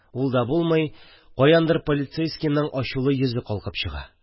Ул да булмый, каяндыр полицейскийның ачулы йөзе калкып чыга